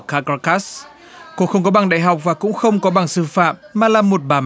ca bô cát cô không có bằng đại học và cũng không có bằng sư phạm mà là một bà